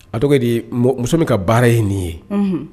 A tɔgɔ de muso min ka baara ye nin ye